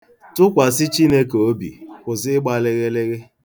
Tụkwasị Chineke obi, kwụsị ịgba lịghịlịghị.